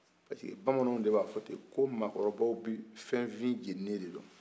parce que bamanan de b'a fɔ tenko maa kɔrɔbaw bi fɛn fin jenin de dɔn